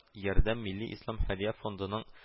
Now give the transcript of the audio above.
“ярдәм” милли ислам хәйрия фондының